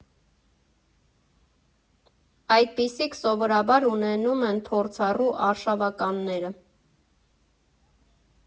Այդպիսիք սովորաբար ունենում են փորձառու արշավականները։